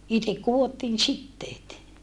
itse kudottiin siteet